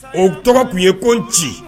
O tɔgɔ tun ye ko nci